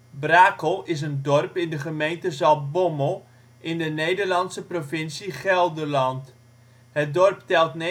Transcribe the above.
Brakel is een dorp in de gemeente Zaltbommel, in de Nederlandse provincie Gelderland. Het dorp telt 2994